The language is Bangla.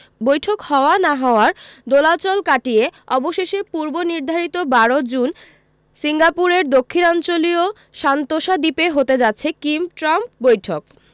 বৈঠক হওয়া না হওয়ার দোলাচল কাটিয়ে অবশেষে পূর্বনির্ধারিত ১২ জুন সিঙ্গাপুরের দক্ষিণাঞ্চলীয় সান্তোসা দ্বীপে হতে যাচ্ছে কিম ট্রাম্প বৈঠক